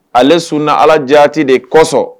Ale sun na ala jati de kosɔn